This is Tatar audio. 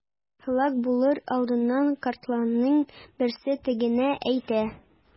Һәлак булыр алдыннан картларның берсе тегеңә әйтә.